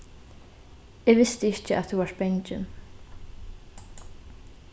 eg visti ikki at tú vart bangin